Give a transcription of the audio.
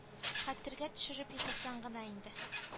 Хәтергә төшереп ясасаң гына инде